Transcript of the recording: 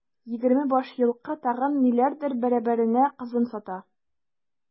Егерме баш елкы, тагын ниләрдер бәрабәренә кызын сата.